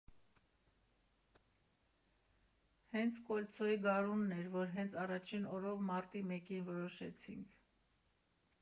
Հետո «Կոլցո»֊ի գարունն էր, որի հենց առաջին օրով՝ մարտի մեկին, որոշեցինք.